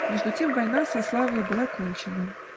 Между тем война со славою была кончена.